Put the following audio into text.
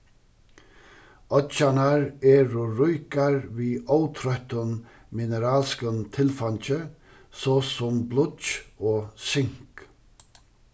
oyggjarnar eru ríkar við ótroyttum mineralskum tilfeingi so sum blýggj og sink